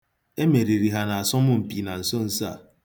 E meriri ha n'asọmpi na nsonso a.